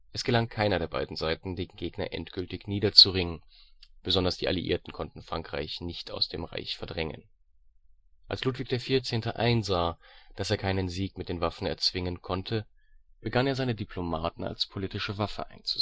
Es gelang keiner der beiden Seiten den Gegner endgültig niederzuringen, besonders die Alliierten konnten Frankreich nicht aus dem Reich verdrängen. Als Ludwig XIV. einsah, dass er keinen Sieg mit den Waffen erzwingen konnte, begann er seine Diplomaten als politische Waffe einzusetzen